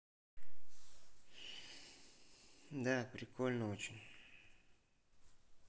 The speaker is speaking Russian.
да прикольно очень